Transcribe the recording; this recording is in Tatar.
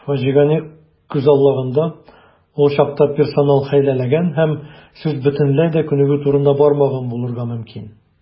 Фаҗигане күзаллаганда, ул чакта персонал хәйләләгән һәм сүз бөтенләй дә күнегү турында бармаган булырга мөмкин.